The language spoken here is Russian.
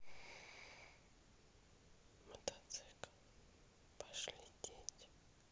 мотоцикл пошли дети